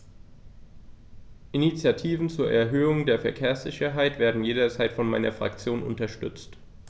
Initiativen zur Erhöhung der Verkehrssicherheit werden jederzeit von meiner Fraktion unterstützt.